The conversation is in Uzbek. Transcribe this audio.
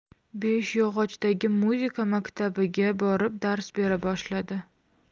beshyog'ochdagi muzika maktabiga borib dars bera boshladi